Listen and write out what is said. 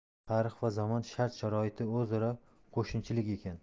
tarix va zamon shart sharoiti o'zaro qo'shnichilik ekan